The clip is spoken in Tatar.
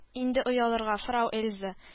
Инде оялырга, фрау эльза